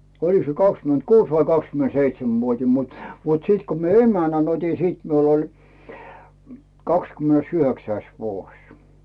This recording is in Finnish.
olikos se kaksikymentäkuusi vai kaksikymentäseitsemänvuotinen mutta mutta sitten kun minä emännän otin sitten minulla oli kahdeskymmenesyhdeksäs vuosi